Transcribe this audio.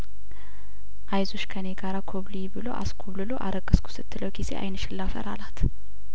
አይዞሽ ከኔጋር ኮብልዪ ብሎ አስኮብልሎ አረገዝኩ ስትለው ጊዜ አይንሽን ላፈር አላት